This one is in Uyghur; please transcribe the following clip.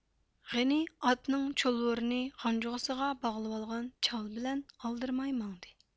غېنى ئاتنىڭ چۇلۋۇرىنى غانجۇغىسىغا باغلىۋالغان چال بىلەن ئالدىرىماي ماڭدى